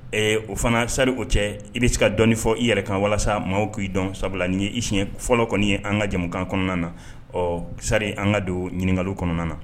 Ee o fana sa o cɛ i bɛ se ka dɔn fɔ i yɛrɛ kan walasa maaw k'i dɔn sabula ni ye isɲɛ fɔlɔ kɔni ye an ka jamukan kɔnɔna na ɔ sari an ka don ɲininkaka kɔnɔna na